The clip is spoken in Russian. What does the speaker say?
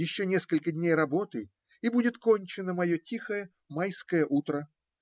Еще несколько дней работы, и будет кончено мое тихое "Майское утро".